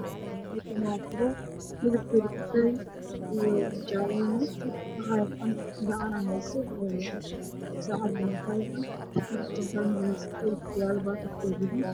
Waa labo kabood oo ah kama niman qof ayaa gacanta ku hayo waxaa ka dambeeyay roo guduudan